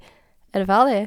Er det ferdig?